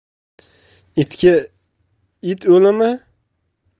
itga it o'limi